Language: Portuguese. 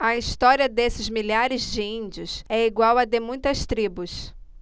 a história desses milhares de índios é igual à de muitas tribos